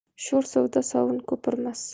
sho'r suvda sovun ko'pirmas